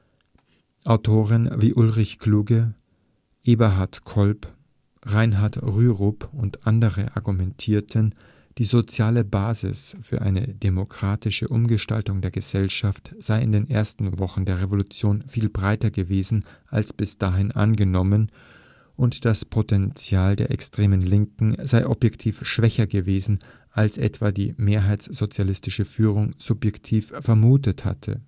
Autoren wie Ulrich Kluge, Eberhard Kolb, Reinhard Rürup und andere argumentierten, die soziale Basis für eine demokratische Umgestaltung der Gesellschaft sei in den ersten Wochen der Revolution viel breiter gewesen als bis dahin angenommen und das Potential der extremen Linken sei objektiv schwächer gewesen als etwa die mehrheitssozialistische Führung subjektiv vermutet hatte